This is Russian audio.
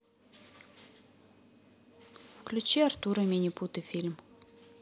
включи артур и минипуты фильм